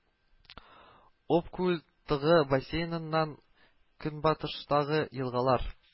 Об культыгы бассейныннан көнбатыштагы елгалар